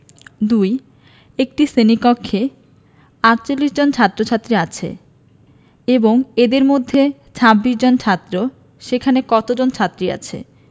২ একটি শ্রেণি কক্ষে ৪৮ জন ছাত্ৰ-ছাত্ৰী আছে এবং এদের মধ্যে ২৬ জন ছাত্র সেখানে কতজন ছাত্রী আছে